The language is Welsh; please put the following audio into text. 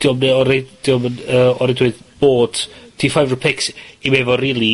'di o'm o reid- 'di o'm yn yy o reidrwydd bod... 'Di five unre picks 'im efo rili